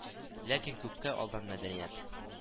Ләкин күпкә алдан мәдәният